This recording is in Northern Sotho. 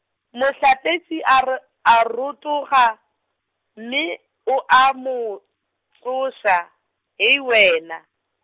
mohlapetši a r-, a rotoga, mme o a mo, tsoša, Hei wena.